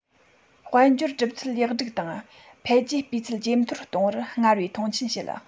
དཔལ འབྱོར གྲུབ ཚུལ ལེགས སྒྲིག དང འཕེལ རྒྱས སྤུས ཚད ཇེ མཐོར གཏོང བར སྔར བས མཐོང ཆེན བྱེད